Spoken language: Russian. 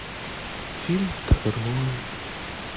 фильм второй